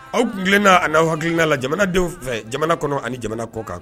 . Aw kuntilenna an'aw hakilina la jamanadenw fɛ, jamana kɔnɔ ani jamana kɔ kan.